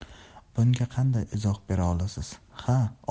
bunga qanday izoh bera olasiz ha oxirgi